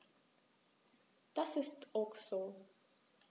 Das ist ok so.